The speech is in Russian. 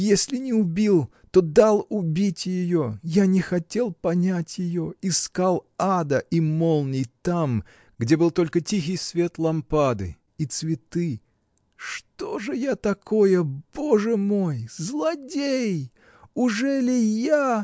если не убил, то дал убить ее: я не хотел понять ее, искал ада и молний там, где был только тихий свет лампады и цветы. Что же я такое, Боже мой! Злодей! Ужели я.